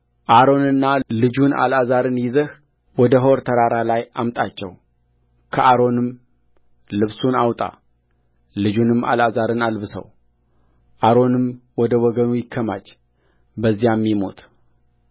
አሮንና ልጁን አልዓዛርን ይዘህ ወደ ሖር ተራራ ላይ አምጣቸውከአሮንም ልብሱን አውጣ ልጁንም አልዓዛርን አልብሰው አሮንም ወደ ወገኑ ይከማች በዚያም ይሙት